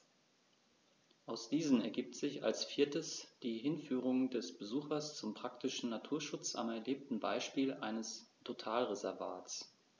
Aus diesen ergibt sich als viertes die Hinführung des Besuchers zum praktischen Naturschutz am erlebten Beispiel eines Totalreservats.